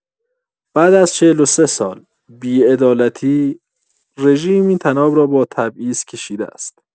بعد از ۴۳ سال، بی‌عدالتی، رژیم این طناب را با تبعیض کشیده است.